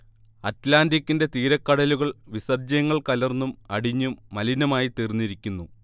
അറ്റ്ലാന്റിക്കിന്റെ തീരക്കടലുകൾ വിസർജ്യങ്ങൾ കലർന്നും അടിഞ്ഞും മലിനമായിത്തീർന്നിരിക്കുന്നു